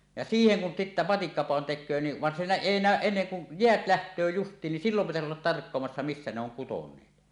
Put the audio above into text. ja siihen kun sitten matikkapadon tekee niin vaan siinä ei näy ennen kuin jäät lähtee justiin niin silloin pitäisi olla tarkkailemassa missä ne on kuteneet